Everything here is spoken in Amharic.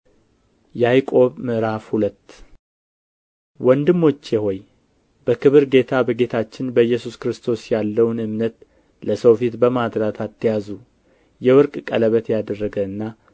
የያዕቆብ መልእክት ምዕራፍ ሁለት ወንድሞቼ ሆይ በክብር ጌታ በጌታችን በኢየሱስ ክርስቶስ ያለውን እምነት ለሰው ፊት በማድላት አትያዙ የወርቅ ቀለበት ያደረገና